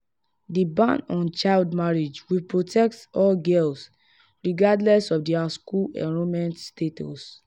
The ban on child marriage will protect all girls, regardless of their school enrollment status.